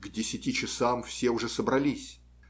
К десяти часам все уже собрались.